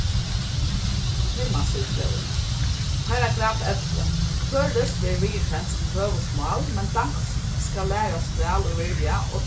heimastýrislógin paragraf ellivu føroyskt verður viðurkent sum høvuðsmál men danskt skal lærast væl og virðiliga og